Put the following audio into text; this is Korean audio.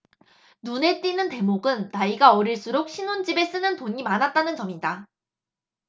눈에 띄는 대목은 나이가 어릴수록 신혼집에 쓰는 돈이 많았다는 점이다